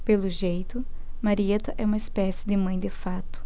pelo jeito marieta é uma espécie de mãe de fato